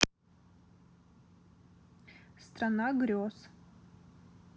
страна грез